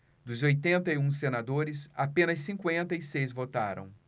dos oitenta e um senadores apenas cinquenta e seis votaram